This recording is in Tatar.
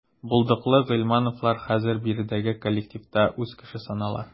Булдыклы гыйльмановлар хәзер биредәге коллективта үз кеше санала.